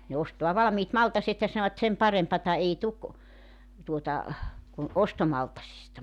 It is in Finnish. ne ostaa valmiit maltat ja sanovat sen parempaa ei tule tuota kuin ostomaltaista